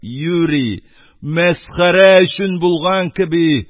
Юри, мәсхәрә өчен булган кеби,